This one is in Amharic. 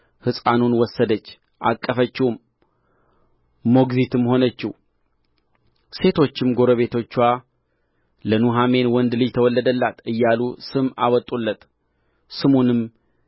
ሕፃኑን ወሰደች አቀፈችውም ሞግዚትም ሆነችው ሴቶችም ጎረቤቶችዋ ለኑኃሚን ወንድ ልጅ ተወለደላት እያሉ ስም አወጡለት ስሙንም